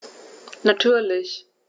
Natürlich.